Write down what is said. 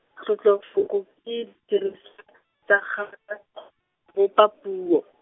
tlotlofoko ke bopa puo.